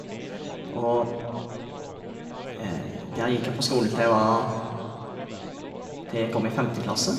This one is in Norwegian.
Og der gikk jeg på skole til jeg var til jeg kom i femteklasse.